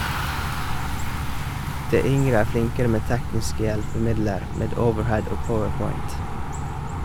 De yngre er flinkere med tekniske hjelpemidler, med overhead og powerpoint.